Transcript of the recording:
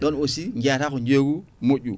ɗon aussi jeeyata ko jeeygu moƴƴuru